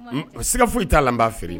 A siga foyi i t'a nba feere